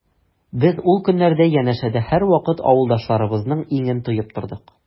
Без ул көннәрдә янәшәдә һәрвакыт авылдашларыбызның иңен тоеп тордык.